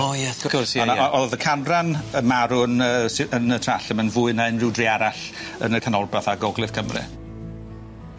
O ie wrth gwrs ie ie. O' 'na o- o'dd y canran yn marw'n yy sy- yn y Trallwm yn fwy na unryw dre arall yn y canolbarth a gogledd Cymru.